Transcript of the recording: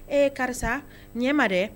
Ee karisa nin ɲɛ ma dɛ